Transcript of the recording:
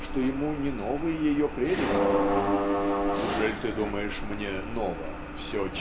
что ему не новы ее прелести ("ужель ты думаешь мне ново все